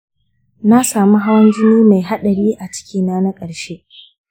na samu hawan jini mai hadari a ciki na na ƙarshe.